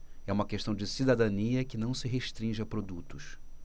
é uma questão de cidadania que não se restringe a produtos